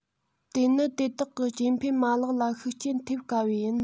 དེ ནི དེ དག གི སྐྱེ འཕེལ མ ལག ལ ཤུགས རྐྱེན ཐེབས དཀའ བས ཡིན